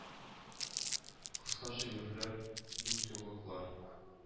Кыска шигырьләр, дүртьюллыклар